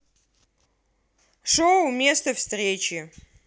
шоу место встречи